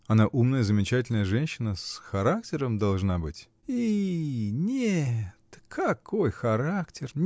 Она умная, замечательная женщина, с характером должна быть? нет, какой характер!